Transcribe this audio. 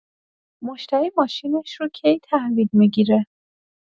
مشتری ماشینش رو کی تحویل می‌گیره؟